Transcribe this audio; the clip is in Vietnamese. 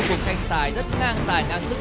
cuộc tranh tài rất ngang tài ngang sức